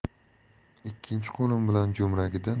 ikkinchi qo'lim bilan jo'mragidan